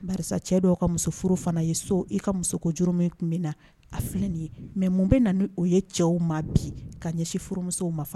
Karisa cɛ dɔw aw ka muso fana ye so i ka muso juru min tun bɛ na a filɛ nin ye mɛ mun bɛ na ni o ye cɛw ma bi ka ɲɛsin furu musow ma faga